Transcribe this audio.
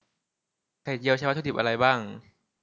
ไข่เจียวใช้วัตถุดิบอะไรบ้าง